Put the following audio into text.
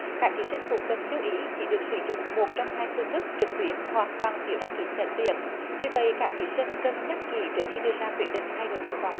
các thí sinh cũng cần lưu ý chỉ được sử dụng một trong hai phương thức trực tuyến hoặc bằng phiếu đăng ký xét tuyển vì vậy các thí sinh cân nhắc kỹ trước khi đưa ra quyết định thay đổi nguyện vọng